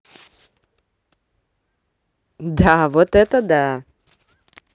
да вот это да